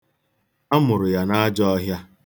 A mụrụ ya n'ajọọhịa.